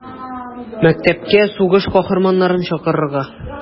Мәктәпкә сугыш каһарманнарын чакырырга.